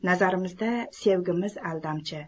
nazarimizda sevgimiz aldamchi